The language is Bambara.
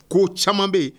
Ko caman bɛ yen